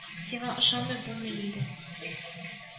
Сиңа ышанмый булмый инде